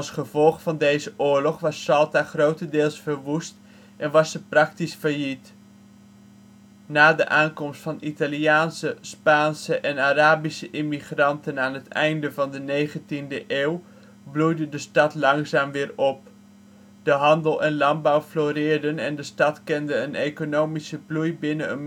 gevolg van deze oorlog was Salta grotendeels verwoest en was ze praktisch failliet. Na de aankomst van Italiaanse, Spaanse en Arabische immigranten aan het einde van de 19e eeuw, bloeide de stad langzaam weer op. De handel en landbouw floreerden en de stad kende een economische bloei binnen